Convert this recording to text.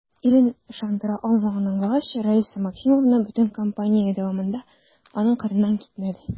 Ирен ышандыра алмавын аңлагач, Раиса Максимовна бөтен кампания дәвамында аның кырыннан китмәде.